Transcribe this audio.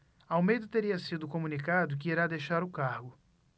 almeida teria sido comunicado que irá deixar o cargo